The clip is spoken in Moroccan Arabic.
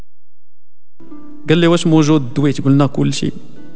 قول لي ايش موجود ويش من كل شيء